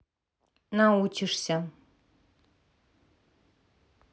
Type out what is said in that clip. научишься